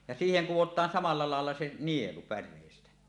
ja siihen kudotaan samalla lailla se nielu päreistä